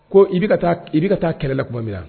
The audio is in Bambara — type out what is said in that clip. Ko i bi ka taa, i bɛ ka taa kɛlɛ la kuma min na.